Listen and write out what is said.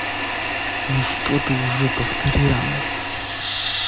ну что ты уже повторялась